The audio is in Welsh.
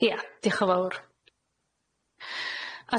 Ia, diolch'n fowr.